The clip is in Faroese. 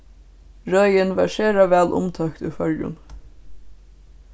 røðin var sera væl umtókt í føroyum